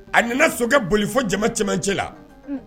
A nana sokɛ boli fo jama cɛmancɛ la